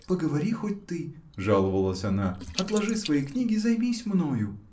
— Поговори хоть ты, — жаловалась она, — отложи свои книги, займись мною!